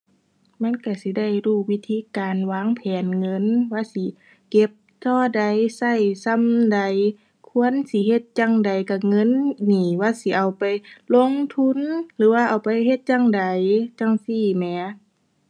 มันก็สิได้รู้วิธีการวางแผนเงินว่าสิเก็บเท่าใด ก็ส่ำใด ควรสิเฮ็ดจั่งใดกับเงินนี้ ว่าสิเอาไปลงทุนหรือว่าเอาไปเฮ็ดจั่งใด จั่งซี้แหม